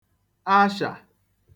ashà